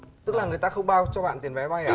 tức là người ta không bao cho bạn tiền vé máy